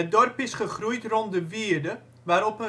dorp is gegroeid rond de wierde waarop